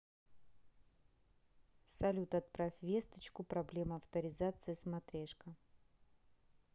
салют отправь весточку проблема авторизации смотрешка